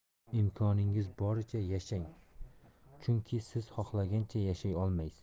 imkoningiz boricha yashang chunki siz xohlagancha yashay olmaysiz